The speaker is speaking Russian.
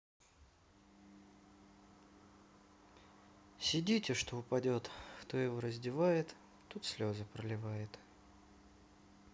сидите что упадет кто его раздевает тот слезы проливает